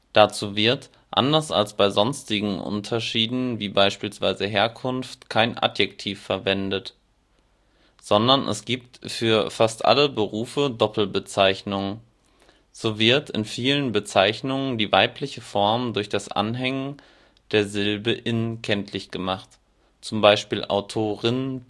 Dazu wird, anders als bei sonstigen Unterschieden wie beispielsweise Herkunft kein Adjektiv verwendet, sondern es gibt für fast alle Berufe Doppelbezeichnungen. So wird in vielen Bezeichnungen die weibliche Form durch das Anhängen der Silbe in kenntlich gemacht, z. B. Autorin